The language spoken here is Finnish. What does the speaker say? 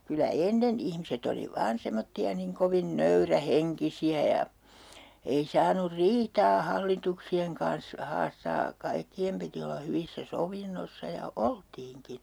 kyllä ennen ihmiset oli vain semmoisia niin kovin nöyrähenkisiä ja ei saanut riitaa hallituksien kanssa haastaa kaikkien piti olla hyvissä sovinnoissa ja oltiinkin